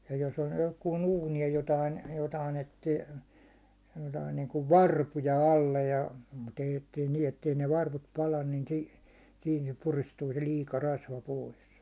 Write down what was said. ja jos on johonkin uuni ja jotakin jotakin etsi jotakin niin kuin varpuja alle ja mutta ei että ei niin että ei ne varvut pala niin - siinä se puristuu se liika rasva pois